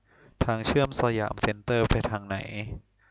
ทางเชื่อมสยามเซนเตอร์ไปทางไหน